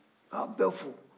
k'aw bɛɛ fo